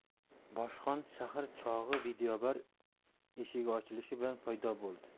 boshqon sahar chog'i videobar eshigi ochilishi bilan paydo bo'ldi